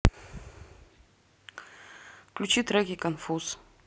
включи треки конфуз